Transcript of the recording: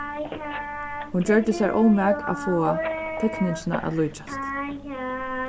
hon gjørdi sær ómak at fáa tekningina at líkjast